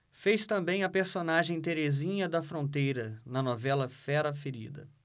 fez também a personagem terezinha da fronteira na novela fera ferida